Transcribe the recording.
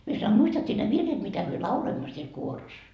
minä sanoin a muistat sinä ne virret mitä me lauloimme siellä kuorossa